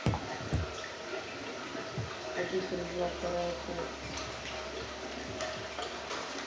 обитель зла вторая часть